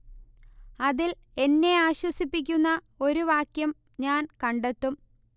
അതിൽ എന്നെ ആശ്വസിപ്പിക്കുന്ന ഒരു വാക്യം ഞാൻ കണ്ടെത്തും